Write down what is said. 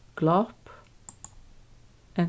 glopp